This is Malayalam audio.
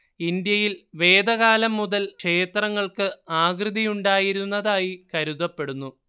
ഇന്ത്യയിൽ വേദകാലം മുതൽ ക്ഷേത്രങ്ങൾക്ക് ആകൃതി ഉണ്ടായിരുന്നതായി കരുതപ്പെടുന്നു